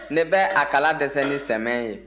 ne bɛ a kala dɛsɛ ni sɛmɛ ye